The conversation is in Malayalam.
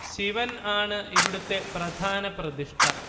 ശിവൻ ആണ് ഇവിടത്തെ പ്രധാന പ്രതിഷ്ഠ